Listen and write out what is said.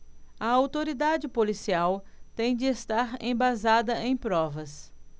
a autoridade policial tem de estar embasada em provas